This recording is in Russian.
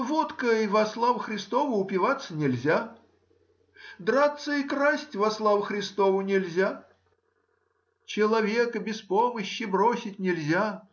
водкой во славу Христову упиваться нельзя, драться и красть во славу Христову нельзя, человека без помощи бросить нельзя.